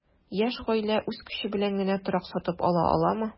Яшь гаилә үз көче белән генә торак сатып ала аламы?